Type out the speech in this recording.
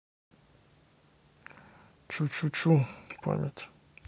чучучу память